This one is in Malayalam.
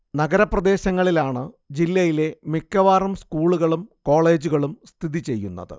നഗരപ്രദേശങ്ങളിലാണ് ജില്ലയിലെ മിക്കവാറും സ്കൂളുകളും കോളേജുകളും സ്ഥിതി ചെയ്യുന്നത്